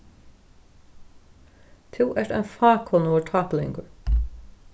tú ert ein fákunnugur tápulingur